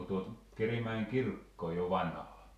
onko tuo Kerimäen kirkko jo vanha